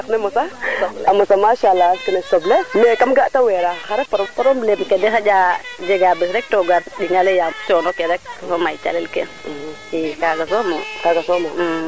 i wate wax deg mete refna oxu ref na xoxof o jala na ku sutuna teen xoxxof jeg na no o njiriño nge moom i nga an a paax nuun way ngorngolu wa dal in way ngorngorlu wa a paax ngenda na a Bab Dom fe ando naye ten coox na in rek yasam o yaalo xanjin meen